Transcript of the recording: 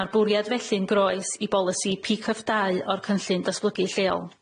Ma'r bwriad felly'n groes i bolisi pee cyff dau o'r cynllun datblygu lleol.